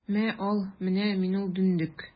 Мә, ал, менә мин ул дөндек!